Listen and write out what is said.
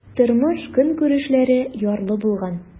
Тормыш-көнкүрешләре ярлы булган.